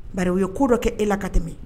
Barow ye ko dɔ kɛ e la ka tɛmɛ